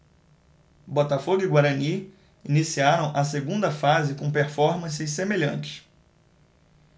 botafogo e guarani iniciaram a segunda fase com performances semelhantes